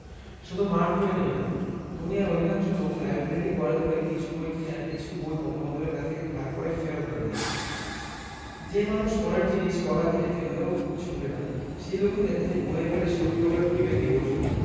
শুধু মার্ক টুয়েনই না দুনিয়ার অধিকাংশ লোকই লাইব্রেরি গড়ে তোলে কিছু বই কিনে আর কিছু বই বন্ধুবান্ধবের কাছ থেকে ধার করে ফেরত্ না দিয়ে যে মানুষ পরের জিনিস গলা কেটে ফেললেও ছোঁবে না সেই লোকই দেখা যায় বইয়ের বেলায় সর্বপ্রকার বিবেক বিবর্জিত